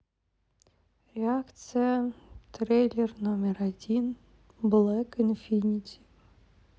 реакция трейлер номер один блэк инфинити